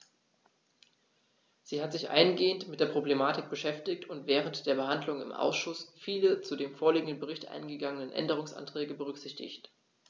Sie hat sich eingehend mit der Problematik beschäftigt und während der Behandlung im Ausschuss viele zu dem vorliegenden Bericht eingegangene Änderungsanträge berücksichtigt.